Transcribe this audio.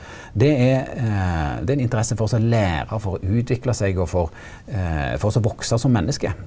det er det er ein interesse for også læra for å utvikla seg og for for også voksa som menneske.